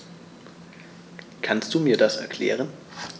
Kannst du mir das erklären?